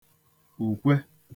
ùkwe